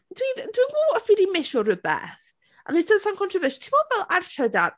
Dwi ddim yn gwbod os dwi 'di misio rhywbeth, and this does sound controvers-... Ti'n gwbod fel, ar Trydar?